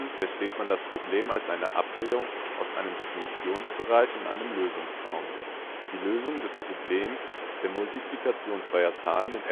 versteht man das Problem als eine Abbildung aus einem Definitionsbereich in seinen Lösungsraum. Die Lösung des Problemes der Multiplikation zweier Zahlen